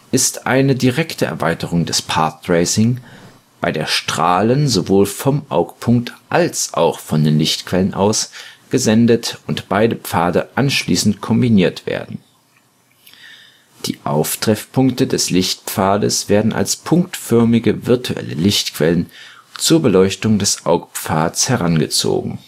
ist eine direkte Erweiterung des Path Tracing, bei der Strahlen sowohl vom Augpunkt als auch von den Lichtquellen aus gesendet und beide Pfade anschließend kombiniert werden. Die Auftreffpunkte des Lichtpfades werden als punktförmige virtuelle Lichtquellen zur Beleuchtung des Augpfades herangezogen